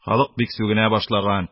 Халык бик сүгенә башлаган